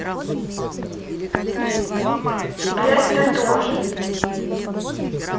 блядь ты тоже